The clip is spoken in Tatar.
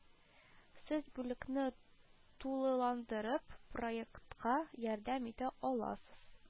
Сез бүлекне тулыландырып, проектка ярдәм итә аласыз